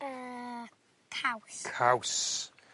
Yy caws. Caws.